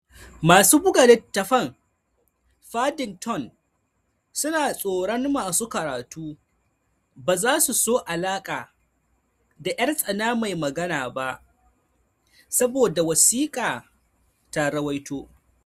Masu buga littafan Paddington su na tsoron masu karatu ba zasu so alaka da ‘yar tsana mai magana ba, sabuwar wasika ta ruwaito